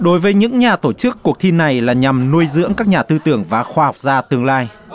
đối với những nhà tổ chức cuộc thi này là nhằm nuôi dưỡng các nhà tư tưởng và khoa học gia tương lai